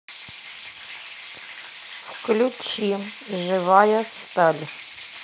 включи живая сталь